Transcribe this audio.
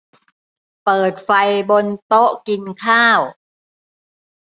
เปิดไฟบนโต๊ะกินข้าว